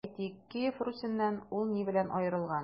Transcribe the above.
Әйтик, Киев Русеннан ул ни белән аерылган?